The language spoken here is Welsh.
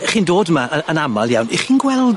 Y'ch chi'n dod yma y- yn amal iawn, y'ch chi'n gweld